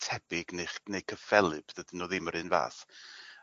tebyg neu ch- neu cyffelyb dydyn n'w ddim yr un fath.